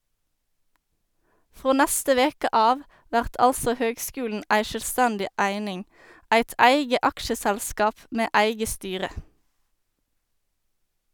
Frå neste veke av vert altså høgskulen ei sjølvstendig eining, eit eige aksjeselskap med eige styre.